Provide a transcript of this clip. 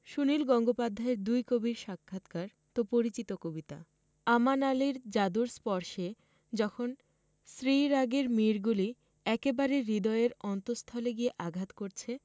সুনীল গঙ্গোপাধ্যায়ের দুই কবির সাক্ষাতকার তো পরিচিত কবিতা আমান আলির জাদুর স্পর্শে যখন শ্রী রাগের মিড়গুলি একেবারে হৃদয়ের অন্তস্থলে গিয়ে আঘাত করছে